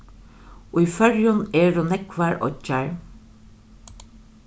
í føroyum eru nógvar oyggjar